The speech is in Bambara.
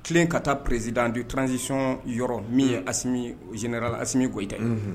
Tilen ka taa président de transition yɔrɔ min ye général Asimi Goyita